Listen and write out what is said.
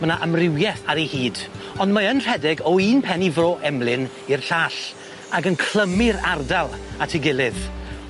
Ma' 'na amrywieth ar ei hyd. On' mae yn rhedeg o un pen i fro Emlyn i'r llall ag yn clymu'r ardal at 'i gilydd.